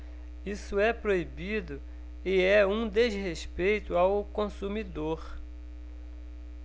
isso é proibido e é um desrespeito ao consumidor